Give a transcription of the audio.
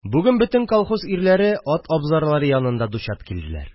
Бүген бөтен колхоз ирләре ат абзарлары янында ду-чат килделәр